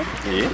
iyo